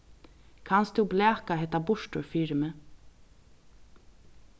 kanst tú blaka hetta burtur fyri meg